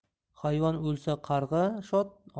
hayvon o'lsa qarg'a shod